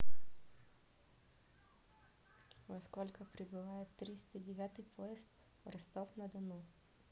во сколько прибывает триста девятый поезд в ростов на дону